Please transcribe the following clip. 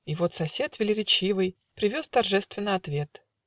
И вот сосед велеречивый Привез торжественно ответ.